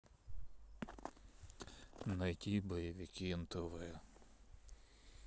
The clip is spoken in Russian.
найти боевики нтв